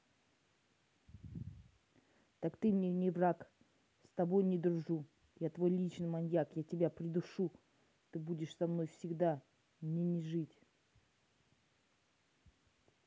так ты мне не враг с тобой не дружу я твой личный маньяк я тебя придушу ты будешь со мной всегда мне не жить